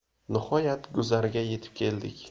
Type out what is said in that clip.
nihoyat guzarga yetib keldik